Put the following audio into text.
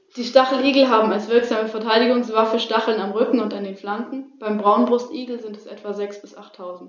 Wie bei allen Arten der Unterfamilie Aquilinae sind die Beine bis zu den sehr kräftigen gelben Zehen befiedert.